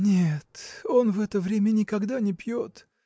– Нет, он в это время никогда не пьет.